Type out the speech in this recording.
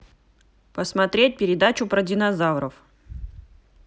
посмотреть передачу про динозавров